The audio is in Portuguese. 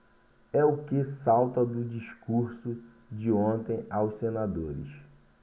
é o que salta do discurso de ontem aos senadores